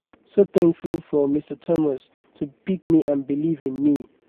So thankful for Thomas to pick me and believe in me.